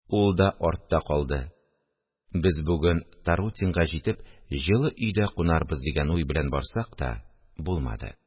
Ул да артта калды, без бүген Тарутинга җитеп, җылы өйдә кунарбыз дигән уй белән барсак та, булмады